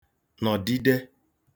nọ̀dide